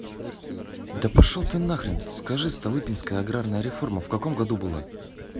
да пошел ты нахрен скажи столыпинская аграрная реформа в каком году была